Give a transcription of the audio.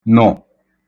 -nụ̀